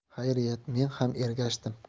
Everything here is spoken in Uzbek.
xayriyat men ham ergashdim